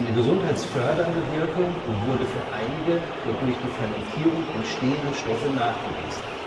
gesundheitsfördernde Wirkung wurde für einige der durch die Fermentierung entstehenden Stoffe nachgewiesen